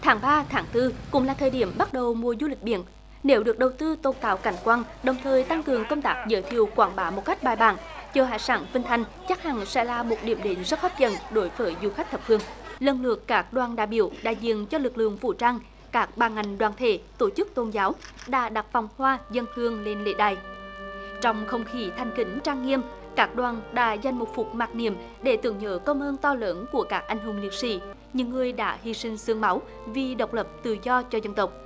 tháng ba tháng tư cũng là thời điểm bắt đầu mùa du lịch biển nếu được đầu tư tôn tạo cảnh quan đồng thời tăng cường công tác giới thiệu quảng bá một cách bài bản chợ hải sản vĩnh thành chắc hẳn sẽ là một điểm đến rất hấp dẫn đối khởi du khách thập phương lần lượt các đoàn đại biểu đại diện cho lực lượng vũ trang các ban ngành đoàn thể tổ chức tôn giáo đã đặt vòng hoa dâng hương lên lễ đài trong không khí thành kính trang nghiêm các đoàn đã dành một phút mặc niệm để tưởng nhớ công ơn to lớn của các anh hùng liệt sỹ những người đã hy sinh xương máu vì độc lập tự do cho dân tộc